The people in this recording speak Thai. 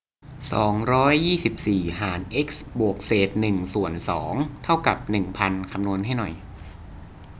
สองร้อยยี่สิบสี่หารเอ็กซ์บวกเศษหนึ่งส่วนสองเท่ากับหนึ่งพันคำนวณให้หน่อย